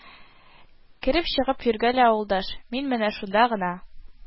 Кереп-чыгып йөргәлә, авылдаш, мин менә шунда гына